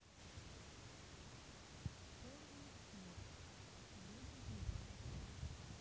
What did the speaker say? vtornik net вроде живой